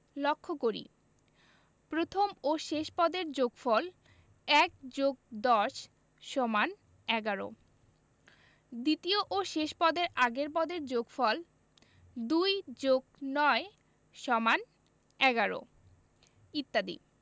লক্ষ করি প্রথম ও শেষ পদের যোগফল ১+১০=১১ দ্বিতীয় ও শেষ পদের আগের পদের যোগফল ২+৯=১১ ইত্যাদি